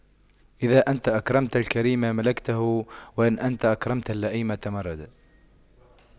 إذا أنت أكرمت الكريم ملكته وإن أنت أكرمت اللئيم تمردا